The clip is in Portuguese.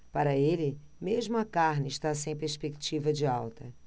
para ele mesmo a carne está sem perspectiva de alta